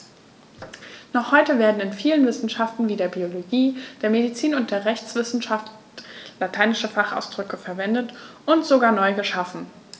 Noch heute werden in vielen Wissenschaften wie der Biologie, der Medizin und der Rechtswissenschaft lateinische Fachausdrücke verwendet und sogar neu geschaffen.